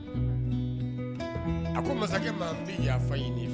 A ko masakɛ bɛ yafa fa ɲini